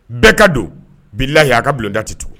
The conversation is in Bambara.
Bɛɛ ka don billahi a ka bulonda tɛ tugun.